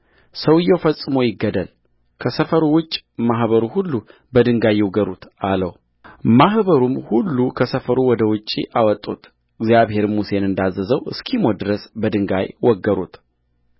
ሰውየው ፈጽሞ ይገደል ከሰፈሩ ውጭ ማኅበሩ ሁሉ በድንጋይ ይውገሩት አለውማኅበሩም ሁሉ ከሰፈሩ ወደ ውጭ አወጡት እግዚአብሔርም ሙሴን እንዳዘዘው እስኪሞት ድረስ በድንጋይ ወገሩት